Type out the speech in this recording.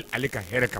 Ale ka hɛrɛɛrɛ kan